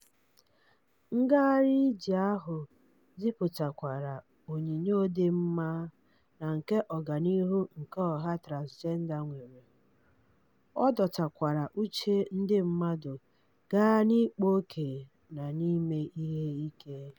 Ngagharị ije ahụ gipụtakwara onyinyo dị mma na nke ọganihu nke ọha transịjenda nwere; ọ dọtakwara uche ndị mmadụ gaa n'ịkpa oke na ime ihe ike.